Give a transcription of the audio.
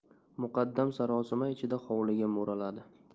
muqaddam sarosima ichida hovliga mo'raladi